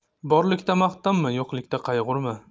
borlikda maqtanma yo'qlikda qayg'urma